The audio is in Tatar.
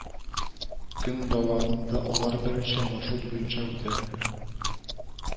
Көн дәвамында алар берничә маршрут буенча үтә